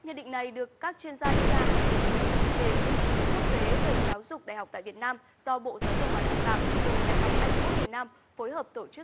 nhận định này được các chuyên gia đưa ra tại hội nghị chuyên đề nghiên cứu quốc tế về giáo dục đại học tại việt nam do bộ giáo dục và đào tạo trường đại học anh quốc việt nam phối hợp tổ chức